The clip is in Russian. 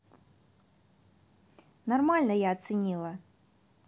нормально я оценила